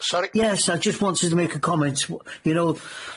Sori... Yes I just wanted to make a comment wh- you know